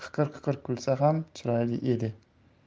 qiqir qiqir kulsa ham chiroyli edi